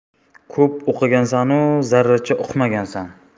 ko'p o'qigansan u zarracha uqmagansan